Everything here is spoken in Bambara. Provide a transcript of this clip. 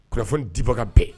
Kɔrɔfɔ kunnafoni di baga bɛɛ